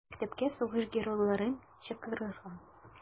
Мәктәпкә сугыш геройларын чакырырга.